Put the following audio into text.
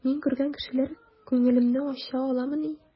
Мин күргән кешеләр күңелемне ача аламыни?